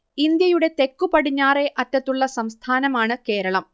ഇന്ത്യയുടെ തെക്കുപടിഞ്ഞാറെ അറ്റത്തുള്ള സംസ്ഥാനമാണ് കേരളം